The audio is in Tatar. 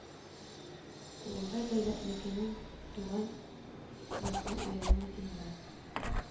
Кулымда Дәүләтнекенең туган якны өйрәнү музеенда